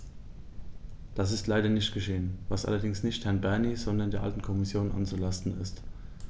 Das ist leider nicht geschehen, was allerdings nicht Herrn Bernie, sondern der alten Kommission anzulasten ist.